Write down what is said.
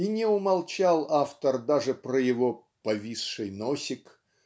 и не умолчал автор даже про его "повисший носик